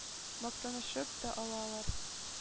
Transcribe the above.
Мактанышып та алалар...